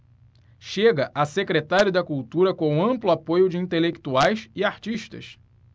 chega a secretário da cultura com amplo apoio de intelectuais e artistas